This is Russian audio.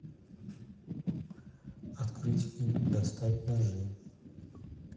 открыть фильм достать ножи